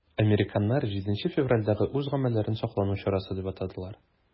Американнар 7 февральдәге үз гамәлләрен саклану чарасы дип атадылар.